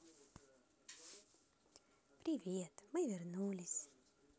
привет мы вернулись